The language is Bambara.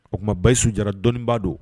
O tuma Bayisu Jara dɔnnibaga don.